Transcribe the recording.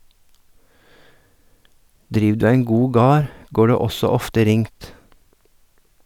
Driv du ein god gard , går det også ofte ringt.